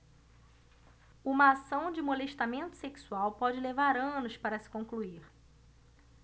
uma ação de molestamento sexual pode levar anos para se concluir